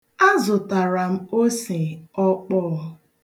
A zụtara m ose ọkpọọ.